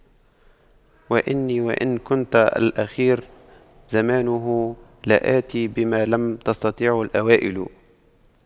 وإني وإن كنت الأخير زمانه لآت بما لم تستطعه الأوائل